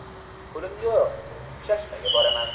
pulim yo'q chashmaga boraman